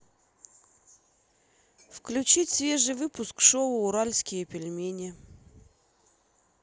включить свежий выпуск шоу уральские пельмени